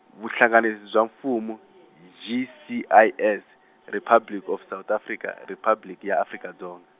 Vuhlanganisi bya Mfumo G C I S Republic of South Africa Riphabliki ya Afrika Dzonga.